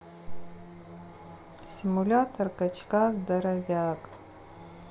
симулятор качка здоровяк